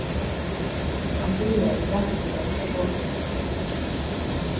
hann byrjaði rættiliga pedagogiskt